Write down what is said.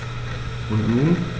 Und nun?